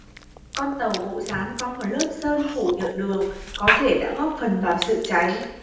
con tàu gỗ dán có một lớp sơn phủ nhựa đường có thể đã góp phần vào sự cháy